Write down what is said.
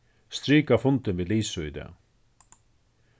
strika fundin við lisu í dag